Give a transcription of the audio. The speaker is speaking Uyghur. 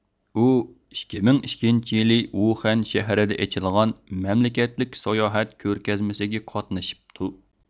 ئۇ ئىككى مىڭ ئىككىنچى يىلى ۋۇخەن شەھىرىدە ئېچىلغان مەملىكەتلىك ساياھەت كۆرگەزمىسىگە قاتنىشىپتۇ